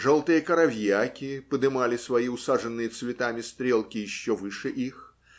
Желтые коровьяки подымали свои усаженные цветами стрелки ещё выше их.